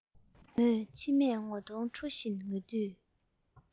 མོས མཆིལ མས ངོ གདོང འཁྲུད བཞིན ངུས བྱུང